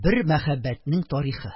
Бер мәхәббәтнең тарихы